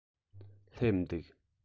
སླེབས འདུག